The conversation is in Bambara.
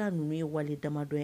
Na numu ye wale damadɔ ye